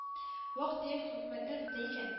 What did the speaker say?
Вак-төяк хөкүмәтләр бетә икән